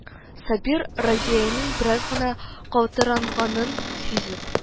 Сабир, Разиянең бераз гына калтыранганын сизеп: